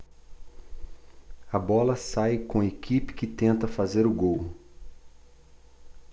a bola sai com a equipe que tenta fazer o gol